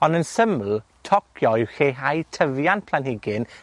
ond yn syml, tocio yw lleihau tyfiant planhigyn